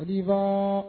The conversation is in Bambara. Ba